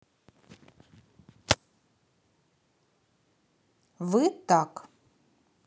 вы так